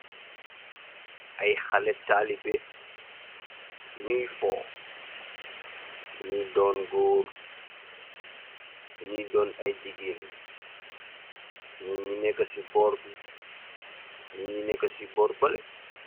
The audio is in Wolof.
ay xalé taalibe ñuy foo ñi doon góor ñiy doon ay jigéen ñi ñi nekk ci bor bi ñi ñu nekk ci bor bale